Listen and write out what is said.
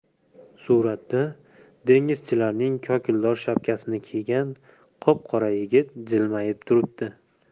suratda dengizchilarning kokildor shapkasini kiygan qop qora yigit jilmayib turibdi